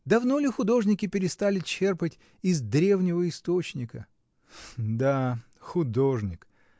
Давно ли художники перестали черпать из древнего источника. — Да, художник!